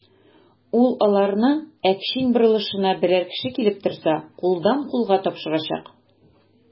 Ул аларны Әкчин борылышына берәр кеше килеп торса, кулдан-кулга тапшырачак.